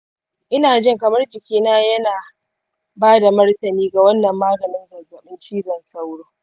ina jin kamar jikina yana ba da martani ga wannan maganin zazzabin cizon sauro.